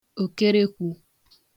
òkerekwū